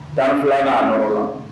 Danbila k'a nɔɔrɔ la